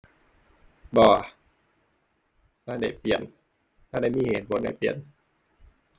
บ่ ทันได้เปรียบ ทันได้มีเห็นผลได้เปรียบ